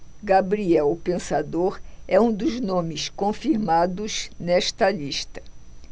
gabriel o pensador é um dos nomes confirmados nesta lista